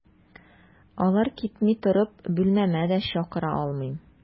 Алар китми торып, бүлмәмә дә чакыра алмыйм.